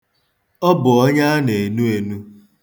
Ọ bụ onye a na-enu enu.